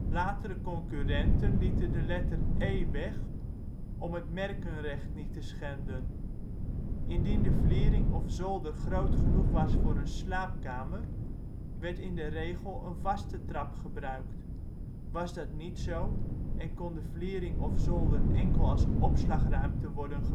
Latere concurrenten lieten de letter ' e ' weg om het merkenrecht niet te schenden. Indien de vliering of zolder groot genoeg was voor een slaapkamer werd in de regel een vaste trap gebruikt, was dat niet zo en kon de vliering of zolder enkel als opslagruimte worden gebruikt